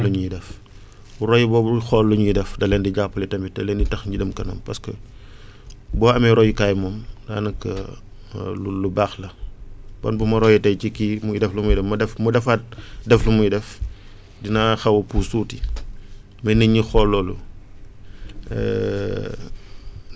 li ñuy def roy boobu xool li ñuy def da leen di jàppale tamit da leen di tax ñu dem kanam parce que boo amee royukaay moom daanaka loolu lu baax la man bu ma royee tey ci kii muy def lu muy def ma def ma defaat def lu muy def dinaa xaw a pousse tuuti na nit ñi xool loolu